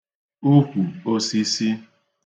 ukwùosisi